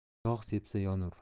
yog' sepsa yonur